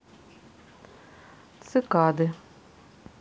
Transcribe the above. цикады